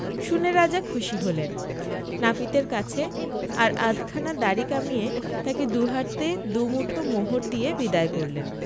শুনে রাজা খুশি হলেন নাপিতের কাছে আর আধখানা দাড়ি কামিয়ে তাকে দু হাতে দু মুঠো মোহর দিয়ে বিদায় করলেন